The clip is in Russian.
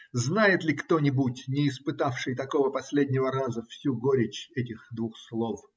Знает ли кто-нибудь, не испытавший такого последнего раза, всю горечь этих двух слов?